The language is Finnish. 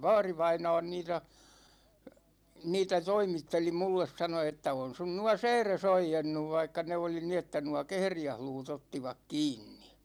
vaarivainaani niitä niitä toimitteli minulle sanoi että on sinun nuo sääresi oiennut vaikka ne oli niin että nuo kehriäisluut ottivat kiinni